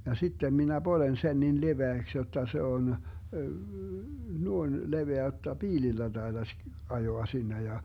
ja sitten minä poljen sen niin leveäksi jotta se on noin leveä jotta piilillä taitaisi ajaa sinne ja